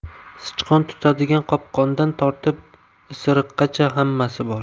sichqon tutadigan qopqondan tortib isiriqqacha hammasi bor